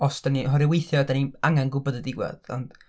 Os dan ni... oherwydd weithiau dan ni angan gwbod y diwedd ond...